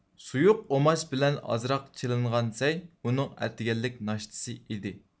سۇيۇق ئۇماچ بىلەن ئازراق چىلىغان سەي ئۇنىڭ ئەتىگەنلىك ناشتىسى ئىدى